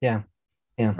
Ie, ie.